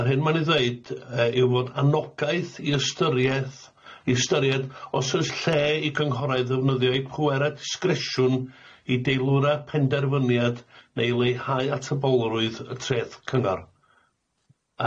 Yr hyn ma'n ei ddeud yy yw fod anogaeth i ystyrieth i ystyried os o's lle i gynghorau ddefnyddio eu pwera disgreshwn i deilwra penderfyniad neu leihau atebolrwydd y traeth Cyngor.